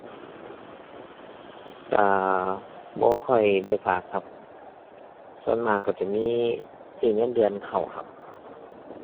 ก็ บ่ค่อยได้ฝากครับ ส่วนมากก็จะมีที่เงินเดือนเข้าครับ